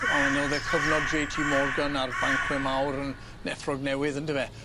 On' weyn o'dd e cyfnod Jay Tee Morgan a'r bancwyr mawr yn Neffrog Newydd on'd yfe?